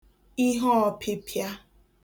iheọ̀pịpịa